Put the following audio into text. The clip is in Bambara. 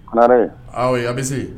Re yan bɛ se